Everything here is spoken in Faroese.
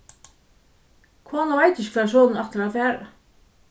konan veit ikki hvar sonurin ætlar at fara